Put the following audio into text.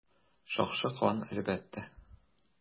Шакшы кан, әлбәттә.